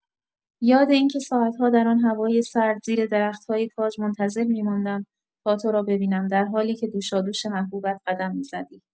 یاد این که ساعت‌ها در آن هوای سرد زیر درخت‌های کاج منتظر می‌ماندم تا تو را ببینم در حالی که دوشادوش محبوبت قدم می‌زدی.